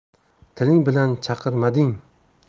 tiling bilan chaqirmading